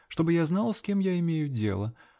чтобы я знала, с кем я имею дело.